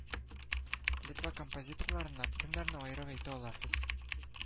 Литва композиторларыннан кемнәрне аерып әйтә аласыз